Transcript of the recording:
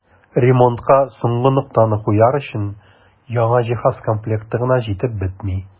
Ремонтка соңгы ноктаны куяр өчен яңа җиһаз комплекты гына җитеп бетми.